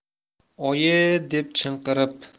oyi i i dedim chinqirib